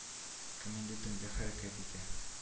Кем инде төнлә хәрәкәт итә